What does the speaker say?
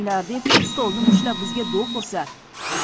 deb stolni mushtlab bizga do'q ursa